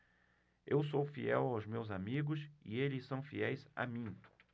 eu sou fiel aos meus amigos e eles são fiéis a mim